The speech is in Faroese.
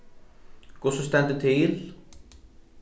hvussu stendur til